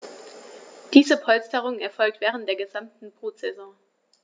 Diese Polsterung erfolgt während der gesamten Brutsaison.